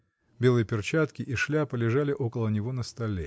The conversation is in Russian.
Белые перчатки и шляпа лежали около него на столе.